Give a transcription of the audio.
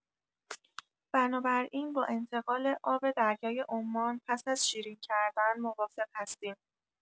بنابراین با انتقال آب دریای عمان پس از شیرین کردن موافق هستیم.